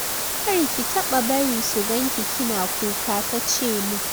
“kar ki taba bari su ganki kina kuka,” ta ce min.